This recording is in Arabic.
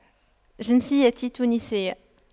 جنسيتي تونسية